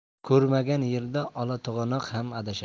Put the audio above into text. ko'rmagan yerda olato'g'anoq ham adashar